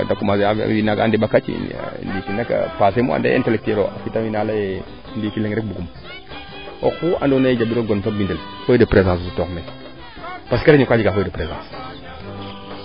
de commencer mbi naaga a ndeɓa kac ndiiki nak Semou ande intelectuel o a leye leŋrek bugum oxu ando naye jambiro gonfa bindel feuille de présence o sutoox meen parce :far que reunion ka jega feuille de presence